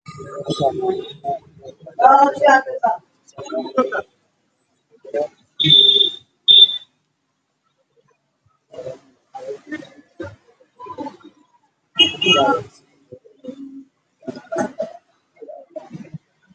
Waa laami waxaa maraayo gaari wayn oo cadaan ah iyo guduud